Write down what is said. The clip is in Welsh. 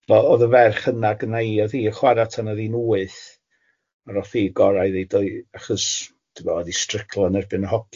Wel oedd y ferch hyna gynna i oedd hi'n chwara tan oedd hi'n wyth a roedd hi'n gorau iddi dodd i, achos timod oedd hi'n stryglo yn erbyn y hogiau a ballu.